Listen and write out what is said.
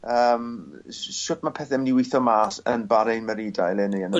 yym s- s- shwt ma' pethe myn' i witho mas yn Bahrain Merida eleni yn y...